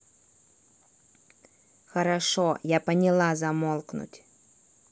хорошо я поняла замолкнуть